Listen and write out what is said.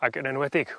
ag yn enwedig